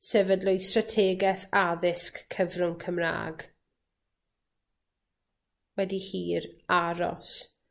sefydlwyd strategeth addysg cyfrwng Cymra'g, wedi hir aros.